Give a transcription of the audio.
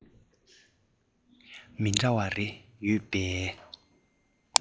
མི འདྲ རེ ཡོད པའི